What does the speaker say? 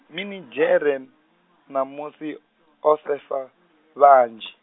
minidzhere, mamusi, o sefa, vhanzhi.